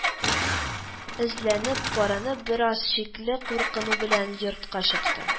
Эзләнеп, каранып, бераз шикле куркыну белән йортка чыкты